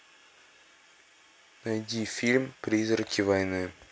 найди фильм призраки войны